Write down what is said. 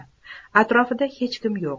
atrofida hech kim yo'q